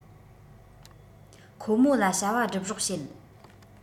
ཁོ མོ ལ བྱ བ བསྒྲུབས རོགས བྱེད